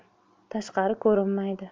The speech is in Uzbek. tashqari ko'rinmaydi